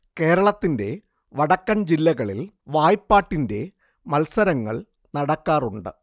കേരളത്തിൻറെ വടക്കൻ ജില്ലകളിൽ വായ്പാട്ടിൻറെ മത്സരങ്ങൾ നടക്കാറുണ്ട്